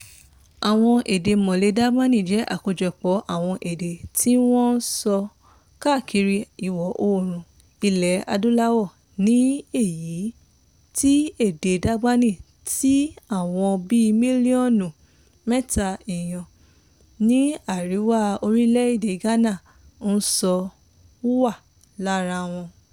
Àwọn èdè Mole-Dagbani jẹ́ àkójọpọ̀ àwọn èdè tí wọ́n ń sọ káàkiri Ìwọ̀ Oòrùn Ilẹ̀ Adúláwò ní èyí tí èdè Dagbani tí àwọn bíi mílíọ̀nù mẹ́ta èèyàn ní àríwá orílẹ̀-èdè Ghana ń sọ wà lára wọn.